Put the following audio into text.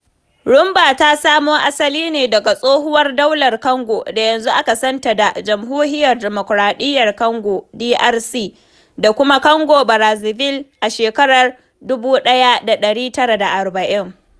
Rhumba ta samo asali ne daga tsohuwar daular Kongo da yanzu aka san ta da Jamhuriyar Demokoraɗiyyar Kongo (DRC) da kuma Congo-Brazzaville a shekarar 1940.